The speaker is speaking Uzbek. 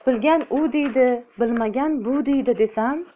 bilgan u deydi bilmagan bu deydi desam